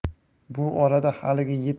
bu orada haligi yetti